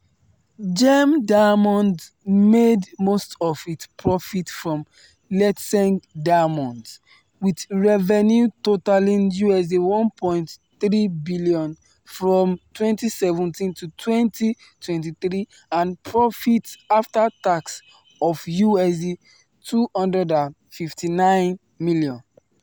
GEM Diamonds made most of its profits from Letšeng Diamonds, with revenue totalling USD 1.3 billion from 2017 to 2023 and profits after tax of USD 259 million.